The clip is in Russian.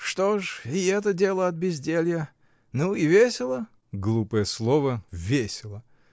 — Что ж: и это дело от безделья. Ну, и весело? — Глупое слово: весело!